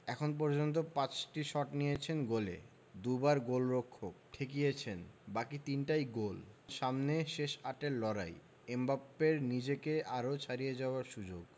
এখন পর্যন্ত ৫টি শট নিয়েছেন গোলে দুবার গোলরক্ষক ঠেকিয়েছেন বাকি তিনটাই গোল সামনে শেষ আটের লড়াই এমবাপ্পের নিজেকে আরও ছাড়িয়ে যাওয়ার সুযোগ